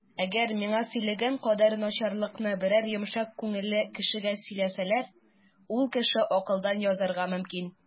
Әгәр миңа сөйләгән кадәр начарлыкны берәр йомшак күңелле кешегә сөйләсәләр, ул кеше акылдан язарга мөмкин.